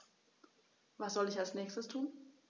Was soll ich als Nächstes tun?